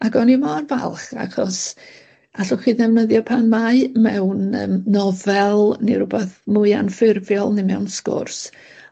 Ac o'n i mor falch achos allwch chi ddefnyddio pan mae mewn yym nofel ne' rwbath mwy anffurfiol ne' mewn sgwrs